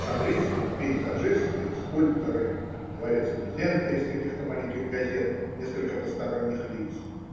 жанристы, пейзажисты и скульпторы, два рецензента из каких-то маленьких газет, несколько посторонних лиц.